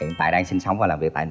hiện tại đang sinh sống và làm việc tại